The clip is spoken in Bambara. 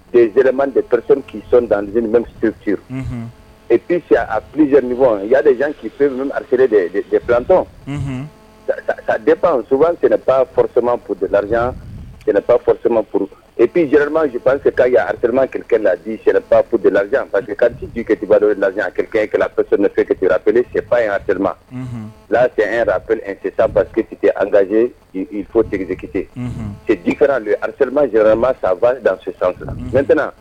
Zyrema depres kisɔn danz nimɛ fi e ppsi a pzy ni ya de jan k kifisreltɔn ka dep soban sɛnɛba psɛmap de laripfsɛma pur epizyrremasip se ka'a ya araresrema kɛrɛkɛ ladisɛrɛppte la pase kadiketipdɔ lazrekeps nefɛte aple sɛp rema la yɛrɛp tɛtan pakesite alize fotzkitera risremayrema sanfa dan sanfɛtna